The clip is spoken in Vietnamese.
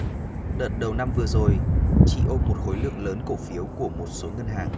đợt đầu năm vừa rồi chị ôm một khối lượng lớn cổ phiếu của một số ngân hàng